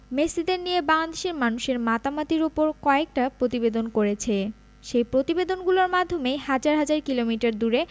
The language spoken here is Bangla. মেসিদের নিয়ে বাংলাদেশের মানুষের মাতামাতির ওপর কয়েকটা প্রতিবেদন করেছে সেই প্রতিবেদনগুলোর মাধ্যমেই হাজার হাজার কিলোমিটার দূরে